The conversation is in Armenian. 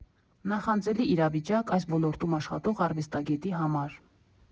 Նախանձելի իրավիճակ այս ոլորտում աշխատող արվեստագետի համար։